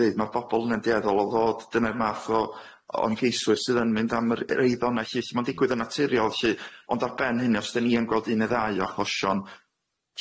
ddeud ma'r bobol yna'n dueddol o ddod dyna'r math o o ymgeiswyr sydd yn mynd am yr re- reiddona' lly sy'n ma'n digwydd yn naturiol lly ond ar ben hynny os dan ni yn gweld un neu ddau o achosion,